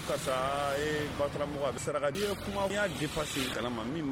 Karisa ye batard mɔgɔ ye a bɛ saraka di